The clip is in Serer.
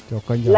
joko njal